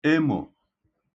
emò